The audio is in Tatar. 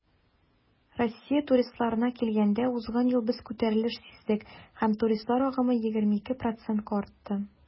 Россия туристларына килгәндә, узган ел без күтәрелеш сиздек һәм туристлар агымы 22 %-ка артты.